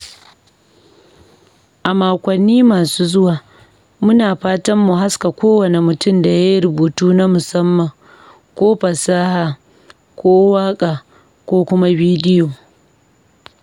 A makwanni masu zuwa, muna fatan mu haska kowane mutum da ya yi rubutu na musamman ko fasaha ko waƙa ko kuma bidiyo.